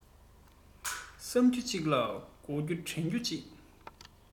བསམ རྒྱུ གཅིག ལ བསྒོམ རྒྱུ དྲན རྒྱུ གཅིག